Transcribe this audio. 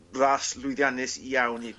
ras lwyddiannus iawn i...